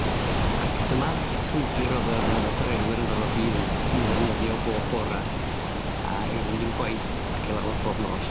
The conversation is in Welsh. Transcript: Ac dyma'r llwybyr o'dd y yy o'dd y chwarelwyr yn gorod 'i dd- 'i ddefnyddio bob bora' a i fynd i'w gwaith ac i lawr bob nos.